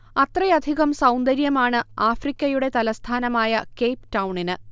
അത്രയധികം സൗന്ദര്യമാണ് ആഫ്രിക്കയുടെ തലസ്ഥാനമായ കേപ് ടൗണിന്